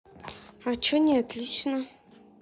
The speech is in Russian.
а что не отлично